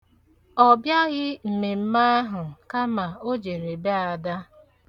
Ọ bịaghị mmemme ahụ kama ọ jere be Ada.